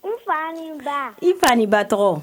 I fa ba i fa ni ba tɔgɔ